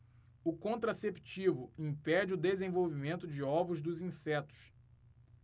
o contraceptivo impede o desenvolvimento de ovos dos insetos